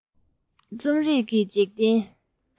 རྩོམ རིག གི འཇིག རྟེན